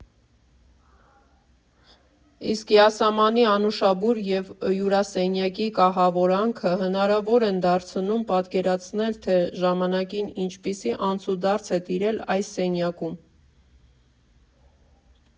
Իսկ յասամանի անուշաբույրը և հյուրասենյակի կահավորանքը հնարավոր են դարձնում պատկերացնել, թե ժամանակին ինչպիսի անցուդարձ է տիրել այս սենյակում։